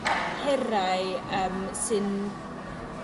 herai ym sy'n